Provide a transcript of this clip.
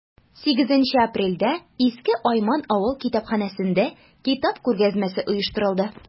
8 апрельдә иске айман авыл китапханәсендә китап күргәзмәсе оештырылды.